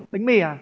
bánh mì à